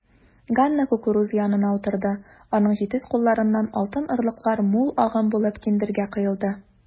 Ганна кукуруза янына утырды, аның җитез кулларыннан алтын орлыклар мул агым булып киндергә коелды.